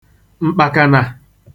m̀kpàkànà